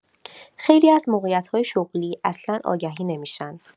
خیلی از موقعیت‌های شغلی اصلا آگهی نمی‌شن.